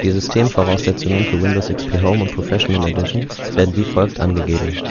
Systemvoraussetzungen für Windows XP Home und Professional Edition werden wie folgt angegeben